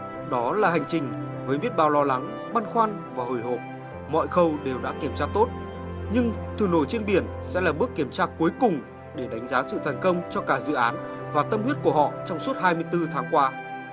đó là hành trình với biết bao lo lắng băn khoăn và hồi hộp mọi khâu đều đã kiểm tra tốt nhưng thử nổi trên biển sẽ là bước kiểm tra cuối cùng để đánh giá sự thành công cho cả dự án và tâm huyết của họ trong suốt hai mươi tư tháng qua